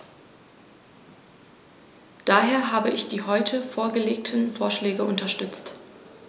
Daher habe ich die heute vorgelegten Vorschläge unterstützt.